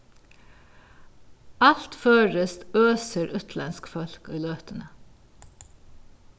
alt føroyskt øsir útlendsk fólk í løtuni